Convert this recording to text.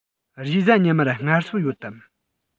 རེས གཟའ ཉི མར ངལ གསོ ཡོད དམ